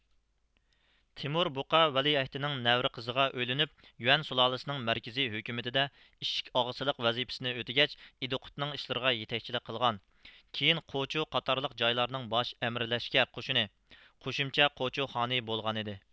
تېمۇربۇقا ۋەلىئەھدنىڭ نەۋرە قىزىگە ئۆيلىنىپ يۈەن سۇلالىسىنىڭ مەركىزىي ھۆكۈمىتىدە ئىشىكئاغىسىلىق ۋەزىپىسىنى ئۆتىگەچ ئىدىقۇتنىڭ ئىشلىرىغا يېتەكچىلىك قىلغان كېيىن قوچو قاتارلىق جايلارنىڭ باش ئەمىرلەشكەر قوشۇنى قوشۇمچە قوچو خانى بولغانىدى